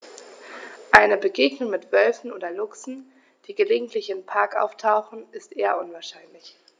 Eine Begegnung mit Wölfen oder Luchsen, die gelegentlich im Park auftauchen, ist eher unwahrscheinlich.